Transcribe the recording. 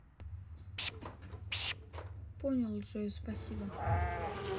понял джой спасибо